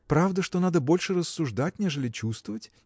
правда, что надо больше рассуждать, нежели чувствовать?